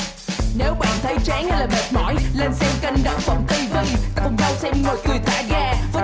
nếu bạn thấy chán hay là mệt mỏi lên xem kênh đậu phộng ti vi ta cùng nhau xem ngồi cười thả ga với